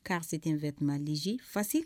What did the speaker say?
Car c'est un vêtement légé facile